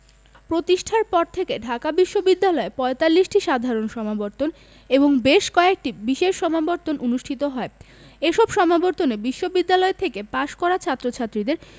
প্রতিষ্ঠার পর থেকে ঢাকা বিশ্ববিদ্যালয়ে ৪৫টি সাধারণ সমাবর্তন এবং বেশ কয়েকটি বিশেষ সমাবর্তন অনুষ্ঠিত হয় এসব সমাবর্তনে বিশ্ববিদ্যালয় থেকে পাশ করা ছাত্রছাত্রীদের